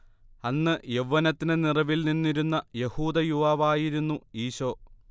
അന്ന് യൗവ്വനത്തിന്റെ നിറവിൽ നിന്നിരുന്ന യഹൂദ യുവാവായിരുന്നു ഈശോ